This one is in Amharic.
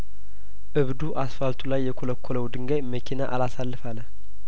እብዱ አስፋልቱ ላይ የኰለኰ ለው ድንጋይ መኪና አላሳልፍ አለ